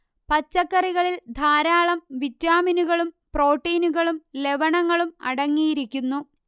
പച്ചക്കറികളിൽ ധാരാളം വിറ്റാമിനുകളും പ്രോട്ടീനുകളും ലവണങ്ങളും അടങ്ങിയിരിക്കുന്നു